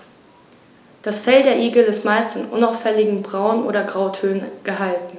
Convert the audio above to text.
Das Fell der Igel ist meist in unauffälligen Braun- oder Grautönen gehalten.